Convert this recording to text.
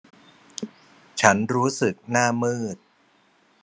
ฉันรู้สึกหน้ามืด